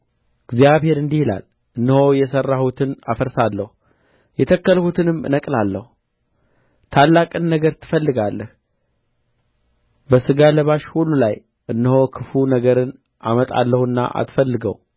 እግዚአብሔር እንዲህ ይላል እነሆ የሠራሁትን አፈርሳለሁ የተከልሁትንም እነቅላለሁ ይኸውም በምድር ሁሉ ነው ለራስህ ታላቅን ነገር ትፈልጋለህን በሥጋ ለባሽ ሁሉ ላይ እነሆ ክፉ ነገርን አመጣለሁና አትፈልገው